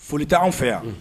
Foli tɛ an fɛ yan